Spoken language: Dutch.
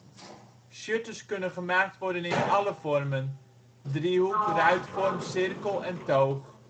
Shutters kunnen gemaakt worden in alle vormen; driehoek, ruitvorm, cirkel en toog